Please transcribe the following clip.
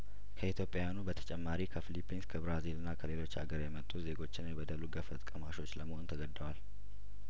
ከኢትዮጵያውያኑ በተጨማሪ ከፊሊፒን ስከብራዚልና ከሌሎች ሀገር የመጡ ዜጐችንም የበደሉ ገፈት ቀማሾች ለመሆን ተገደዋል